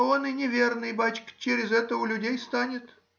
он и неверный, бачка, через это у людей станет.